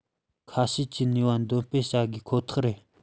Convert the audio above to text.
ཁ ཤས ཀྱི ནུས པ འདོན སྤེལ བྱ དགོས ཁོ ཐག རེད